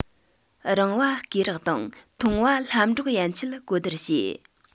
རིང བ སྐེད རགས དང ཐུང བ ལྷམ སྒྲོག ཡན ཆད གོ བསྡུར བྱས